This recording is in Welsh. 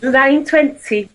nine twenty.